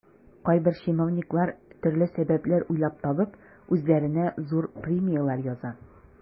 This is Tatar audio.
Кайбер чиновниклар, төрле сәбәп уйлап табып, үзләренә зур премияләр яза.